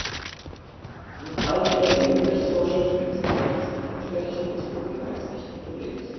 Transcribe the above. Wie im Fall vieler EU-Rechtsvorschriften ist auch dies eine umständliche Betitelung eines echten Problems.